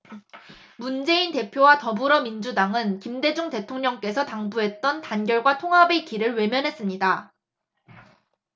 문재인 대표와 더불어민주당은 김대중 대통령께서 당부했던 단결과 통합의 길을 외면했습니다